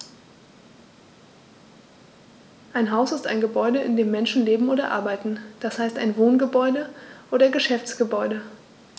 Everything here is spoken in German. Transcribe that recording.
Ein Haus ist ein Gebäude, in dem Menschen leben oder arbeiten, d. h. ein Wohngebäude oder Geschäftsgebäude.